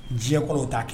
Diɲɛ kɔrɔw t'a kɛ